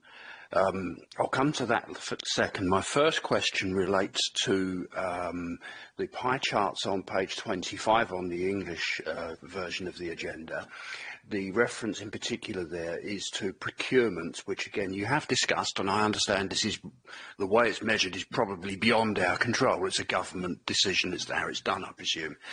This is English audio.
Um, I'll come to that f- second. My first question relates to um the pie charts on page twenty five on the English err version of the agenda . The reference in particular there is to procurement, which again you have discussed, and I understand this is, the way it's measured is probably beyond our control. It's a government decision as to how it's done I presume.